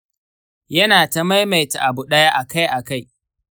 yana ta maimaita abu ɗaya akai-akai.